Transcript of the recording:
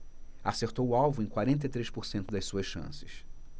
acertou o alvo em quarenta e três por cento das suas chances